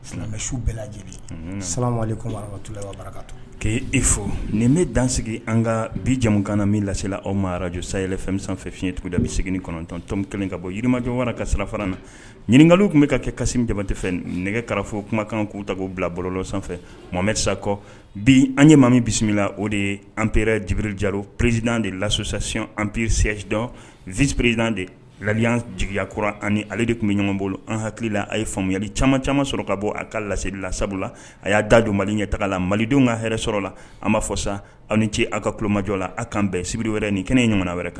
Sina su bɛɛ lajɛlen satula k'e fo nin bɛ dansigi an ka bijakan na min lasela aw ma araraj sayɛlɛ fɛn sanfɛ fi fiɲɛɲɛugu da bɛ segin kɔnɔntɔntɔn kelen ka bɔ jirimajɔ wara ka sirafana na ɲininkaka tun bɛ ka kɛ kasi damatefɛ nɛgɛ fɔ kumakan kan k'u ta' bila bɔlɔlɔ sanfɛ mamamessa kɔ bi an ye maami bisimila o de ye anpeɛrɛ dibirijaro peresidan de lasosasiy anpirisɛtidɔn vspererdina de la jeliyaya kurauran ani ale de tun bɛ ɲɔgɔnbolo an hakilila a ye faamuyayali caman caman sɔrɔ ka bɔ a ka laelila sabula la a y'a da jɔ mali ɲɛ taga la malidenw ka hɛrɛɛrɛ sɔrɔ la an b'a fɔ sa aw ni ce aw ka kulomajɔ la aw kaan bɛnbiri wɛrɛ nin kɛnɛ ye jamana wɛrɛ kan